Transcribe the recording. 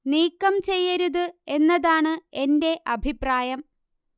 നീക്കം ചെയ്യരുത് എന്നതാണ് എന്റെ അഭിപ്രായം